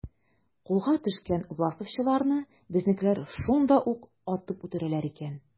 Кулга төшкән власовчыларны безнекеләр шунда ук атып үтерәләр икән.